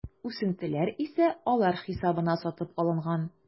Үсентеләр исә алар хисабына сатып алынган.